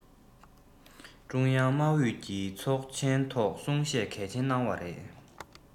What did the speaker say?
ཀྲུང དབྱང དམག ཨུད ཀྱི ཚོགས ཆེན ཐོག གསུང བཤད གལ ཆེན གནང བ རེད